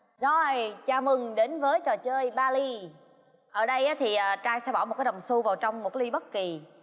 rồi chào mừng đến với trò chơi ba ly ở đây thì trai sẽ bỏ một cái đồng xu vào trong một cái ly bất kỳ